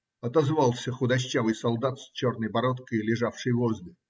- отозвался худощавый солдат с черной бородкой, лежавший возле.